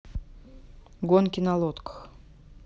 гонки на лодках